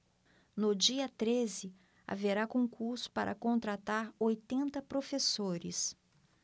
no dia treze haverá concurso para contratar oitenta professores